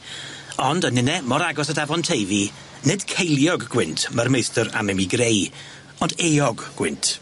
... ond a nine mor agos at Afon Teifi, nid ceiliog gwynt ma'r meistr am i mi greu ond eog gwynt.